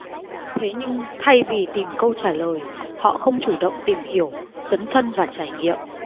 thế nhưng thay vì tìm câu trả lời họ không chủ động tìm hiểu dấn thân và trải nghiệm